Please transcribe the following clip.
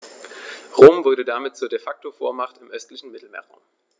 Rom wurde damit zur ‚De-Facto-Vormacht‘ im östlichen Mittelmeerraum.